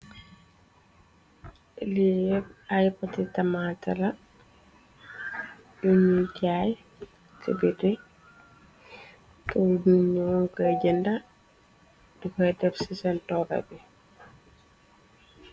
Li yep ay poti tamatela yuñuy jaay ci biti pël duñoo goy jënda di koy def ci seen toora bi.